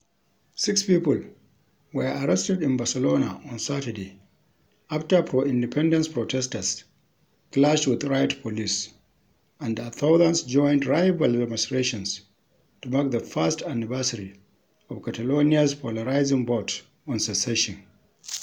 Six people were arrested in Barcelona on Saturday after pro-independence protesters clashed with riot police, and as thousands joined rival demonstrations to mark the first anniversary of Catalonia's polarizing vote on secession.